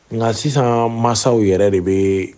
Nka sisan masaw yɛrɛ de bɛ